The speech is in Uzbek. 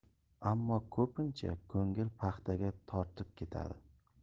ammo ko'pincha ko'ngil paxtaga tortib ketadi